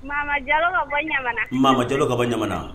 Mama jalo ka bɔ ɲa mamajɛlo ka bɔ ɲa